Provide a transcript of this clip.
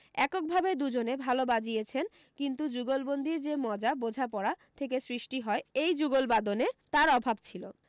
একক ভাবে দু জনে ভাল বাজিয়েছেন কিন্তু যুগলবন্দির যে মজা বোঝাপড়া থেকে সৃষ্টি হয় এই যুগলবাদনে তার অভাব ছিল